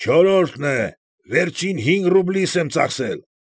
Չորրորդն է, վերջին հինգ ռուբլիս եմ ծախսել։